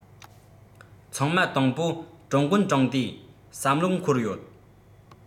ཚང མ དང པོ ཀྲུང གོན གྲོང སྡེ བསམ བློར འཁོར ཡོད